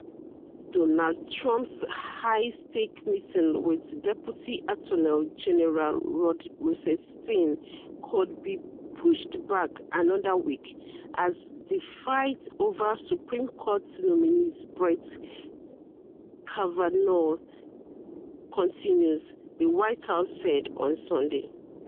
Donald Trump's high-stakes meeting with deputy attorney general Rod Rosenstein could be "pushed back another week" as the fight over supreme court nominee Brett Kavanaugh continues, the White House said on Sunday.